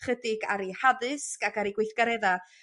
chydig ar 'u haddysg ac ar 'u gweithgaredda